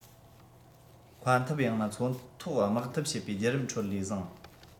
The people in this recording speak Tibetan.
མཁའ འཐབ ཡང ན མཚོ ཐོག དམག འཐབ བྱེད པའི བརྒྱུད རིམ ཁྲོད ལས བཟང